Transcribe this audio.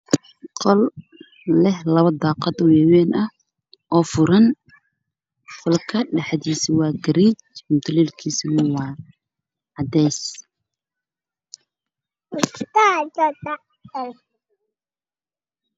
Meeshan waa qol cidlo ah